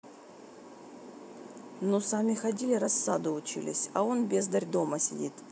ну сами ходили рассаду учились а он бездарь дома сидит